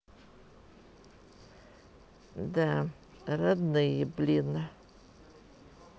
да родные блин